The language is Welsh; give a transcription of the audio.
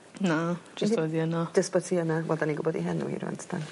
Na jyst oedd 'i yna. Jyst bot hi yna wel 'dan ni'n gwbod 'i henw hi rŵan tydan?